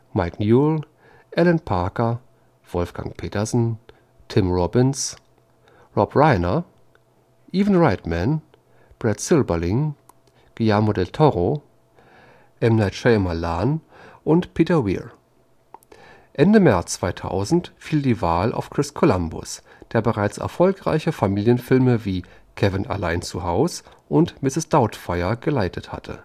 Mike Newell, Alan Parker, Wolfgang Petersen, Tim Robbins, Rob Reiner, Ivan Reitman, Brad Silberling, Guillermo del Toro, M. Night Shyamalan, und Peter Weir. Ende März 2000 fiel die Wahl auf Chris Columbus, der bereits erfolgreiche Familienfilme wie Kevin – Allein zu Haus und Mrs. Doubtfire geleitet hatte